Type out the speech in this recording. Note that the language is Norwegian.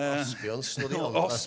Asbjørnsen og de andre.